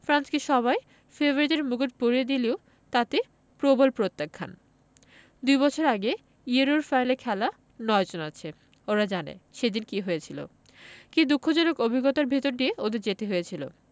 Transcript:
ফ্রান্সকে সবাই ফেভারিটের মুকুট পরিয়ে দিলেও তাতে প্রবল প্রত্যাখ্যান দুই বছর আগে ইউরোর ফাইনালে খেলা ৯ জন আছে ওরা জানে সেদিন কী হয়েছিল কী দুঃখজনক অভিজ্ঞতার ভেতর দিয়ে ওদের যেতে হয়েছিল